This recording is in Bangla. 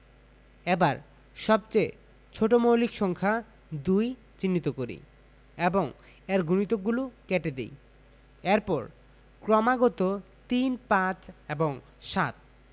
এবার সবচেয়ে ছোট মৌলিক সংখ্যা ২ চিহ্নিত করি এবং এর গুণিতকগলো কেটে দেই এরপর ক্রমাগত ৩ ৫ এবং ৭